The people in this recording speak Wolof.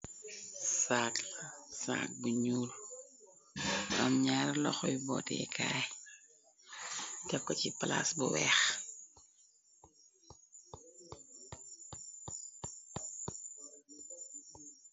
Sagg la sagg bu ñuul, am ñaari loho yu bootèkaay, tek KO ci palaas bi weeh.